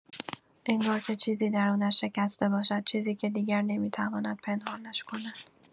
انگار که چیزی درونش شکسته باشد، چیزی که دیگر نمی‌تواند پنهانش کند.